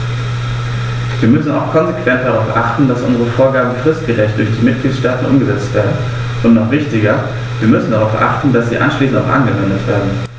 Wir müssen auch konsequent darauf achten, dass unsere Vorgaben fristgerecht durch die Mitgliedstaaten umgesetzt werden, und noch wichtiger, wir müssen darauf achten, dass sie anschließend auch angewendet werden.